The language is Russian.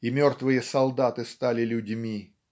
и мертвые солдаты стали людьми.